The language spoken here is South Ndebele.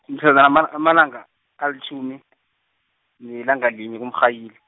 mhlazana amal- amalanga alitjhumi, nelanga linye kuMrhayili.